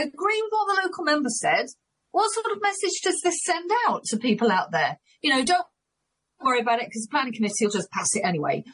I agree with what the local member said. What sort of message does this send out to people out there, you know don't worry about it 'c'os planning committee'll just pass it anyway.